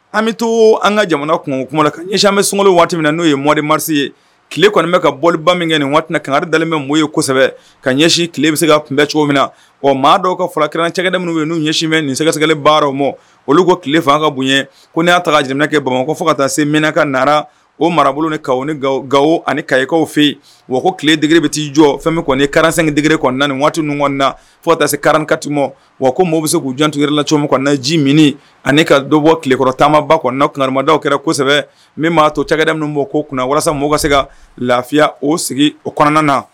An bɛ to an ka jamana kun kuma la ɲɛsimɛ sunlo waati min n'u ye mdi marisi ye tile kɔni bɛ ka bɔba min kɛ nin waati kan dalenmɛ mun yesɛbɛ ka ɲɛsin tile bɛ se ka kunbɛn cogo min na wa maa dɔw ka faraki cɛkɛda minnu ye'u ɲɛsinmɛ nin sɛgɛsɛli baara o ma olu ko tile fan ka bonɲɛ ko ne y'a ta jamana kɛ bamakɔ fɔ ka taa se minka nara o marabolo ni ka ni gawo ani kakaw fɛ yen wa ko tile digi bɛ t'i jɔ fɛn min kɔni ni karansɛgin digi kɔnɔna na ni waati ninnu na fɔta se karan katima wa ko maaw bɛ k'u jantigɛri la cogo min kɔnɔ na ji mini ani ka donbɔ tilekɔrɔtaba kɔnɔna namada kɛra kosɛbɛ min m'a to cɛkɛda minnu bɔ ko kunna walasa mɔgɔ ka se ka lafiya o sigi o kɔnɔnanan na